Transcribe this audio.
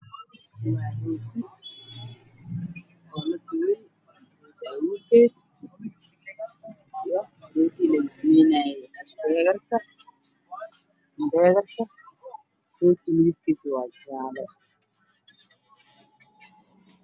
Waa rooti farabadan oo is dulsar saaran midabkiisa yahay jaallo waana la iibinayaa